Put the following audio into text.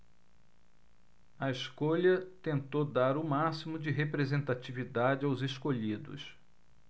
a escolha tentou dar o máximo de representatividade aos escolhidos